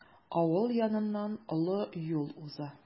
Авыл яныннан олы юл уза.